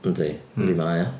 Yndi, yndi mae o.